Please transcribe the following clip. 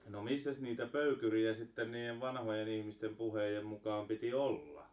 no missäs niitä pöykäreitä sitten niiden vanhojen ihmisten puheiden mukaan piti olla